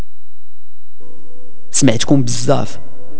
معكم بالزاف